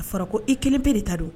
A fara ko i kelen pe de ta don